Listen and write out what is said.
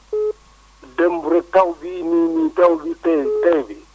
démb rek taw bii nii nii taw bii te tey bi